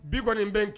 Bi kɔni bɛ kɛ